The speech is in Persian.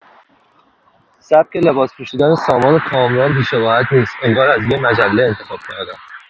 سبک لباس پوشیدن سامان و کامران بی‌شباهت نیست، انگار از یه مجله انتخاب‌کردن.